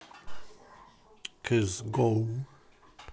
кс гоу